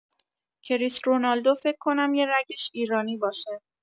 کریس رونالدو فک کنم یه رگش ایرانی باشه.